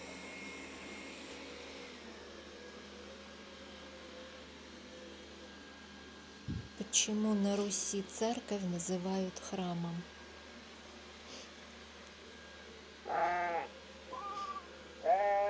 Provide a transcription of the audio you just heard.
почему на руси церковь называют храмом